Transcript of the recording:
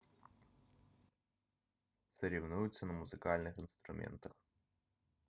соревнуются на музыкальных инструментах